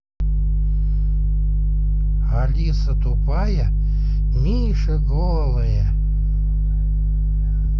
алиса тупая миша голая